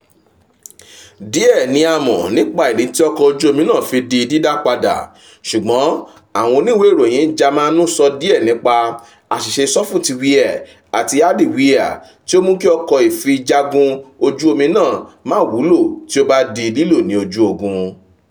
Díẹ̀ ní a mọ̀ nípa ìdí tí ọkọ̀ ojú omi náà fi di dídá padà, ṣùgbọ́n àwọn oníwè ìròyìn jámànù sọ díẹ nípa “àṣìṣe sọ́fútìwíà àti hádìwíà” tí ó mú kí ọkọ̀ ìfijagun ojú omi náà má wúlò tí ó bá di lílò ní ojú ogun.